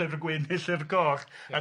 llyfr gwyn neu llyfr goch,